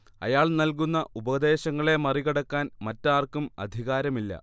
അയാൾ നൽകുന്ന ഉപദേശങ്ങളെ മറികടക്കാൻ മറ്റാർക്കും അധികാരമില്ല